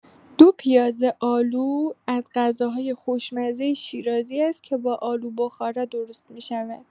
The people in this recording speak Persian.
دو پیازه آلو از غذاهای خوشمزه شیرازی است که با آلو بخارا درست می‌شود.